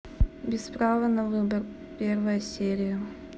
без права на выбор первая серия